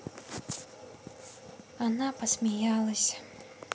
она посмеялась